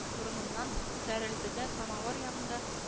Урыныннан күтәрелде дә самавыр янында